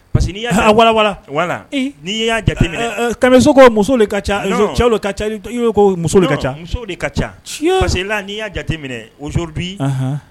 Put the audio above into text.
Parce que n'i walawa wala n'i y'a jate kanumisoko muso ka ca ca i ko muso ka ca de ka ca parce quela n'i y'a jate minɛ ozurubi